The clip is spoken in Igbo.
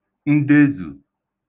ndezù